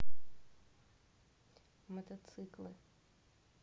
мотоциклы